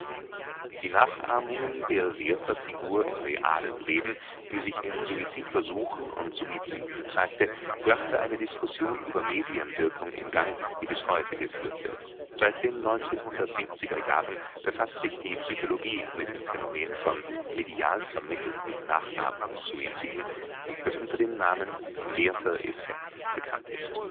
Die Nachahmungen der Werther-Figur im realen Leben, die sich in Suizidversuchen und Suiziden zeigte, brachte eine Diskussion über Medienwirkungen in Gang, die bis heute geführt wird. Seit den 1970er Jahren befasst sich die Psychologie mit dem Phänomen von „ medial vermittelten Nachahmungs-Suiziden “, das unter dem Namen Werther-Effekt bekannt ist